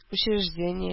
Учреждение